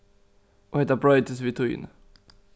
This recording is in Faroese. og hetta broytist við tíðini